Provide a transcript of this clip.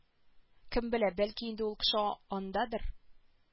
Кем белә бәлки инде ул кеше андадыр